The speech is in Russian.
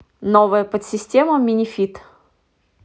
новая подсистема минифит